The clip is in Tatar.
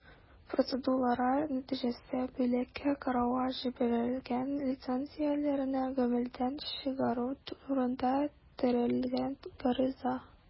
Процедуралар нәтиҗәсе: бүлеккә карауга җибәрелгән лицензияләрне гамәлдән чыгару турында теркәлгән гариза.